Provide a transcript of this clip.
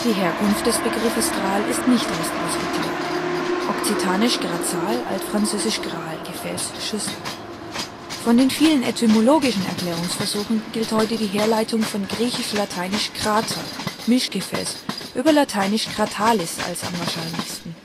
Herkunft des Begriffes Gral ist nicht restlos geklärt: (okzitanisch grazal, altfranzösisch graal ' Gefäß, Schüssel '). Von den vielen etymologischen Erklärungsversuchen gilt heute die Herleitung von griech.-lat. crater (Mischgefäß) über lateinisch cratalis/gradalis als am wahrscheinlichsten